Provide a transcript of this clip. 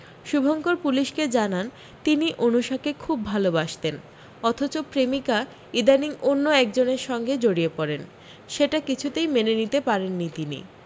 শুভঙ্কর পুলিশকে জানান তিনি অনুষাকে খুব ভালবাসতেন অথচ প্রেমিকা ইদানীং অন্য একজনের সঙ্গে জড়িয়ে পড়েন সেটা কিছুতেই মেনে নিতে পারেননি তিনি